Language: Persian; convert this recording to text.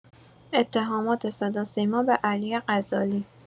اتهامات صداوسیما به علی غزالی